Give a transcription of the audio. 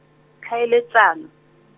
Tlhaeletsano.